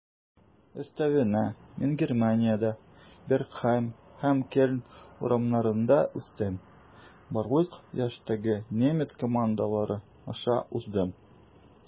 Өстәвенә, мин Германиядә, Бергхайм һәм Кельн урамнарында үстем, барлык яшьтәге немец командалары аша уздым.